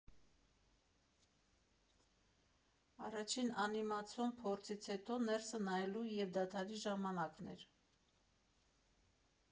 Առաջին անիմացիոն փորձից հետո ներսը նայելու և դադարի ժամանակն էր։